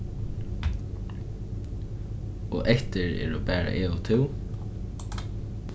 og eftir eru bara eg og tú